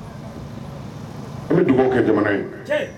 An bɛ dugawu kɛ jamana ye